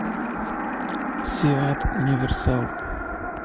seat универсал